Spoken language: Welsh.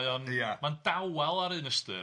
Ma'n dawel ar un ystyr.